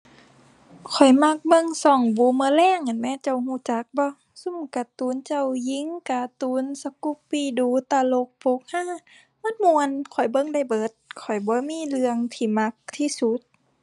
ข้อยมักเบิ่งช่อง Boomerang หั้นแหม เจ้าช่องจักบ่ ซุมการ์ตูนเจ้าหญิง การ์ตูน Scooby-Doo ตลกโปกฮา มันม่วน ข้อยเบิ่งได้เบิด ข้อยบ่มีเรื่องที่มักที่สุด